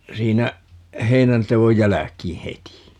siinä heinänteon jälkeen heti